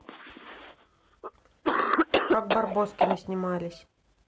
как барбоскины снимались